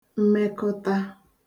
mmekụta